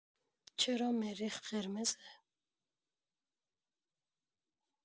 چرا مریخ قرمزه؟